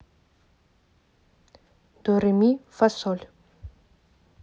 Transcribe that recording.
до ре ми фа соль